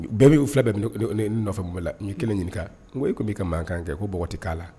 Bɛɛ bɛ u fila nɔfɛ' la n ye kelen ɲini ko e tun b'i ka mankankan kɛ ko k'a la